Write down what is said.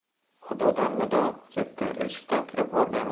xudodan nido kepti eshikdan kirib